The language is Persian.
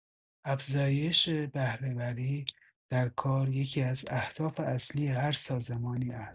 افزایش بهره‌وری در کار یکی‌از اهداف اصلی هر سازمانی است.